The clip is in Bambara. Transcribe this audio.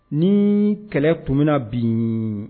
Ni kɛlɛ tun bɛ na bi